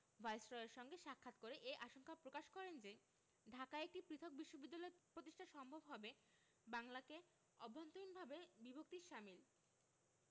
ভাইসরয়ের সঙ্গে সাক্ষাৎ করে এ আশঙ্কা প্রকাশ করেন যে ঢাকায় একটি পৃথক বিশ্ববিদ্যালয় প্রতিষ্ঠা সম্ভব হবে বাংলাকে অভ্যন্তরীণভাবে বিভক্তির শামিল